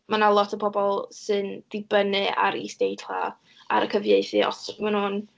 Ma' na lot o bobl sy'n dibynnu ar isdeitlau, ar y cyfieithu os maen nhw'n...